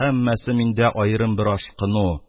Һәммәсе миндә аерым бер ашкыну,